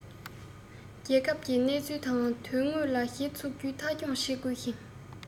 རྒྱལ ཁབ ཀྱི གནས ཚུལ དང དོན དངོས ལ གཞི ཚུགས རྒྱུ མཐའ འཁྱོངས བྱེད དགོས ཤིང